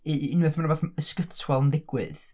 u- unwaith ma' 'na wbath ysgytwol yn digwydd...